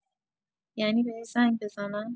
یعنی بهش زنگ بزنم؟